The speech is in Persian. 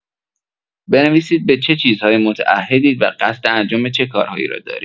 بنویسید به چه چیزهایی متعهدید و قصد انجام چه کارهایی را دارید.